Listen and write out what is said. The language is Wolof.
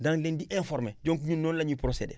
danañ leen di informé donc ñun noonu la ñuy procédé